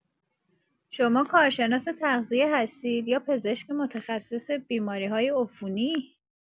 شما کارشناس تغذیه هستید، یا پزشک متخصص بیماری‌های عفونی؟